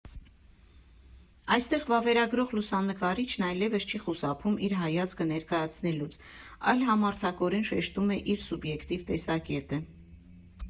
Այստեղ վավերագրող լուսանկարիչն այլևս չի խուսափում իր հայացքը ներկայացնելուց, այլ համարձակորեն շեշտում է իր սուբյեկտիվ տեսակետը։